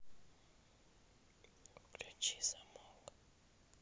включи замок